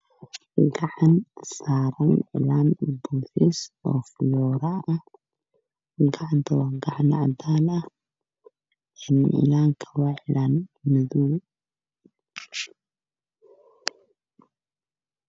Gacan saaran cilaan fiyooro ah gacantana waa gacan cadaan ah cilaanka waa cilaan madaw ah